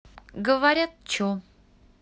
говорят чо